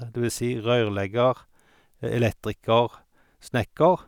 Det vil si rørlegger, elektriker, snekker.